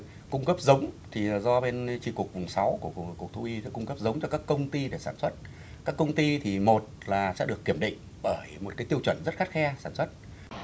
cung cấp giống thì do bên chi cục mùng sáu của của cục thú y đã cung cấp giống cho các công ty để sản xuất các công ty thì một là sẽ được kiểm định bởi mỗi cái tiêu chuẩn rất khắt khe sản xuất